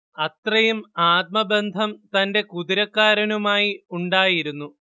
അത്രയും ആത്മബന്ധം തന്റെ കുതിരക്കാരനുമായി ഉണ്ടായിരുന്നു